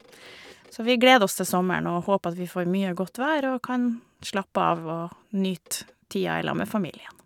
Så vi gleder oss til sommeren og håper at vi får mye godt vær og kan slappe av og nyte tida i lag med familien.